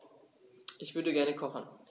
Ich würde gerne kochen.